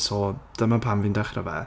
So dyma pam fi'n dechrau fe.